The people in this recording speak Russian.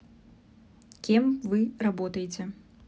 кем вы работаете